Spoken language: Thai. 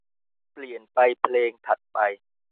เปลี่ยนไปเพลงถัดไป